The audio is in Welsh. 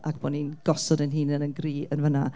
ac bod ni'n gosod ein hunain yn gryf yn fan'na.